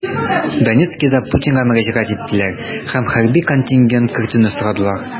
Донецкида Путинга мөрәҗәгать иттеләр һәм хәрби контингент кертүне сорадылар.